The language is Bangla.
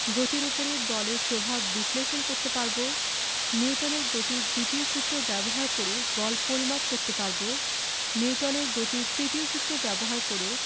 গতির উপর বলের প্রভাব বিশ্লেষণ করতে পারব নিউটনের গতির দ্বিতীয় সূত্র ব্যবহার করে বল পরিমাপ করতে পারব নিউটনের গতির তৃতীয় সূত্র ব্যবহার করে